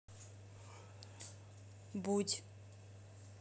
будь